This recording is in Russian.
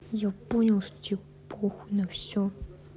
я понял что тебе похуй на все